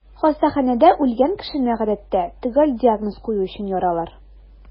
Хастаханәдә үлгән кешене, гадәттә, төгәл диагноз кую өчен яралар.